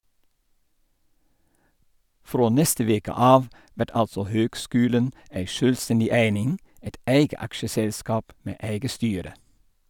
Frå neste veke av vert altså høgskulen ei sjølvstendig eining, eit eige aksjeselskap med eige styre.